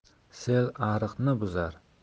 sel ariqni buzar